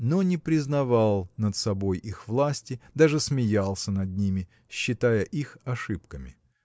но не признавал над собой их власти даже смеялся над ними считая их ошибками